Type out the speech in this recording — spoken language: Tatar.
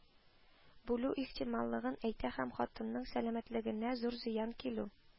Булу ихтималлыгын әйтә һәм хатынының сәламәтлегенә зур зыян килү